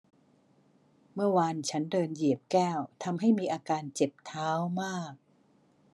เมื่อวานฉันเดินเหยียบแก้วทำให้มีอาการเจ็บเท้ามาก